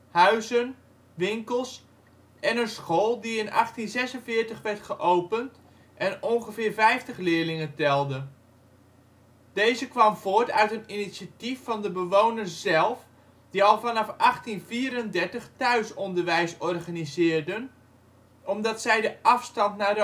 huizen, winkels en een school die in 1846 werd geopend en ongeveer 50 leerlingen telde. Deze kwam voort uit een initiatief van de bewoners zelf, die al vanaf 1834 thuisonderwijs organiseerden omdat zij de afstand naar